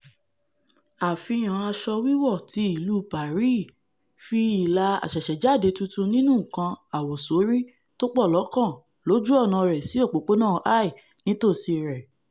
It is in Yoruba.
Àfihàn aṣọ wíwọ̀ ti ìlú Paris fi ìlà àṣẹ̀ṣẹ̀jáde tuntun nínú nǹkan àwọ̀sóri tópọlọ́kan lójú ọ̀nà rẹ̀ sí Òpópónà High nítòsí rẹ.